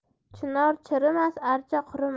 chinor chirimas archa qurimas